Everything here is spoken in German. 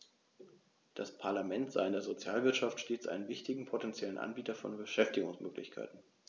Das Parlament sah in der Sozialwirtschaft stets einen wichtigen potentiellen Anbieter von Beschäftigungsmöglichkeiten.